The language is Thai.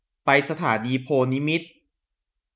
ไปสถานีโพธิ์นิมิตร